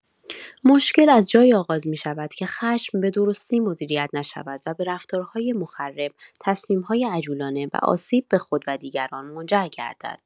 مشکل از جایی آغاز می‌شود که خشم به‌درستی مدیریت نشود و به رفتارهای مخرب، تصمیم‌های عجولانه و آسیب به خود و دیگران منجر گردد.